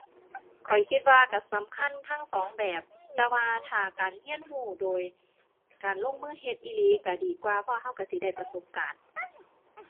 ข้อยคิดว่าก็สำคัญทั้งสองแบบ แต่ว่าถ้าการก็ก็โดยการลงมือเฮ็ดอีหลีก็ดีกว่า เพราะก็ก็สิได้ประสบการณ์